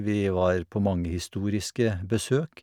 Vi var på mange historiske besøk.